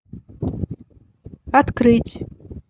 открыть